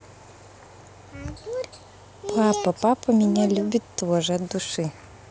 папа папа меня любит тоже от души